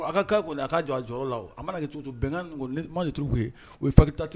A' jɔ a jɔ la a mana kɛ cogo bɛn mauru u fa